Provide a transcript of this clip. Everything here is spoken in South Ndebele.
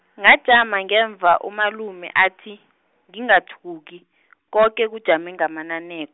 ngajama ngemva umalume athi, ngingathuki, koke kujame ngamanane-.